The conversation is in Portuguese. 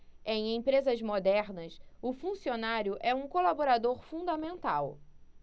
em empresas modernas o funcionário é um colaborador fundamental